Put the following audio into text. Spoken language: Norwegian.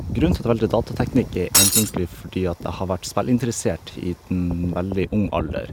Grunnen til at jeg valgte datateknikk, er egentlig fordi at jeg har vært spillinteressert i dn veldig ung alder.